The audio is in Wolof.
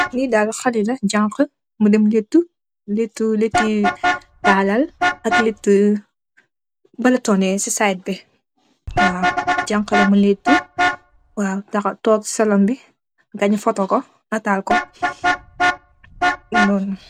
Ki dal halela, janha, mu dem letu, letu yu talal ak letu yu banka lo si wett bi. Janha la mu letu tok si salon bi nyu netal ko.